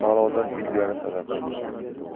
balodan ilgari sadaqa